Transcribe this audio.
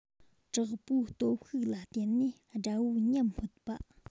དྲག པོའི སྟོབས ཤུགས ལ བརྟེན ནས དགྲ བོའི ཉམས སྨོད པ